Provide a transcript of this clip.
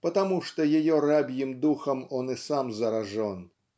потому что ее рабьим духом он и сам заражен.